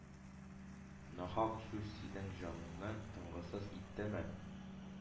— нахак сүз синең җаныңны тынгысыз иттеме?